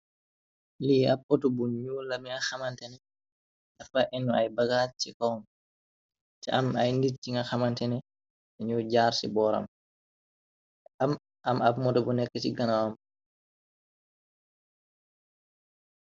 Lii ab otu bu ñuul la, bi nga xamantene dafa enu ay bagaas ci kawam, te am ay nit yu nga xamantene dañu jaar ci booram, aam ab moto bu nekk ci ganawam.